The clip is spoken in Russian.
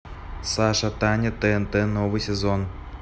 сашатаня тнт новый сезон